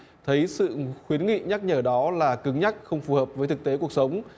thấy sự khuyến nghị nhắc nhở đó là cứng nhắc không phù hợp với thực tế cuộc sống